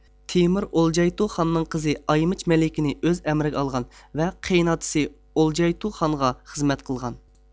تېمۇر ئولجايتۇ خاننىڭ قىزى ئايمىچ مەلىكىنى ئۆز ئەمرىگە ئالغان ۋە قېينىئاتىسى ئولجايتۇ خانغا خىزمەت قىلغان